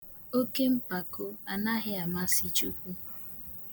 Oke mpako anaghị amasi chukwu